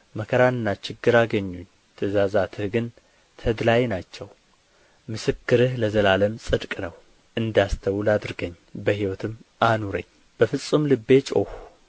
መከራና ችግር አገኙኝ ትእዛዛትህ ግን ተድላዬ ናቸው ምስክርህ ለዘላለም ጽድቅ ነው እንዳስተውል አድርገኝ በሕይወትም አኑረኝ በፍጹም ልቤ ጮኽሁ